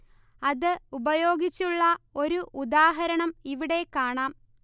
അത് ഉപയോഗിച്ചുള്ള ഒരു ഉദാഹരണം ഇവിടെ കാണാം